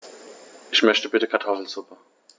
Ich möchte bitte Kartoffelsuppe.